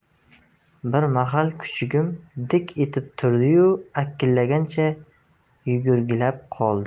bir mahal kuchugim dik etib turdi yu akillagancha yugurgilab qoldi